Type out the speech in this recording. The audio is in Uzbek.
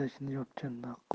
etakni yopgan ham maqul